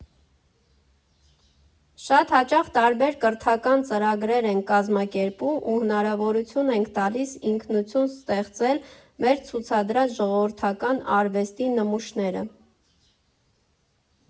Շատ հաճախ տարբեր կրթական ծրագրեր ենք կազմակերպում ու հնարավորություն ենք տալիս ինքնուրույն ստեղծել մեր ցուցադրած ժողովրդական արվեստի նմուշները։